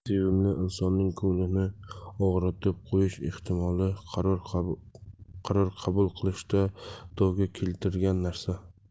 sevimli insonning ko'nglini og'ritib qo'yish ehtimoli qaror qabul qilishda dovga tikilgan narsa